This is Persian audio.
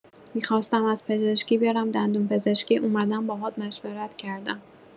می‌خواستم از پزشکی برم دندونپزشکی، اومدم باهات مشورت کردم.